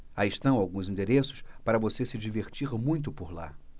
aí estão alguns endereços para você se divertir muito por lá